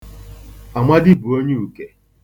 Amadi bụ onye Uke.